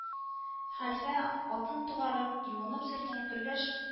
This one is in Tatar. Хәлфә, атын тугарып, юынып-сөртенеп кергәч